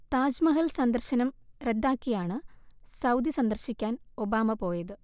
താജ്മഹൽ സന്ദർശനം റദ്ദാക്കിയാണ് സൗദി സന്ദർശിക്കാൻ ഒബാമ പോയത്